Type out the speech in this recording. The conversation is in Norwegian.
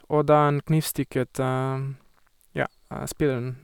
Og da han knivstikket, ja, spilleren.